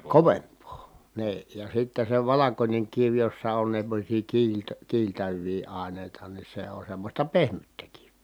kovempaa niin ja sitten se valkoinen kivi jossa on semmoisia - kiiltäviä aineita niin se on semmoista pehmyttä kiveä